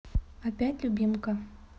опять любимка